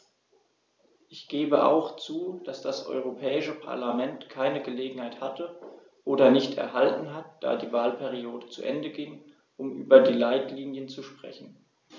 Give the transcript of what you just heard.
Ich gebe auch zu, dass das Europäische Parlament keine Gelegenheit hatte - oder nicht erhalten hat, da die Wahlperiode zu Ende ging -, um über die Leitlinien zu sprechen.